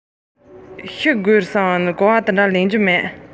འཆི དགོས པའི གོ བ ལེན མི རུང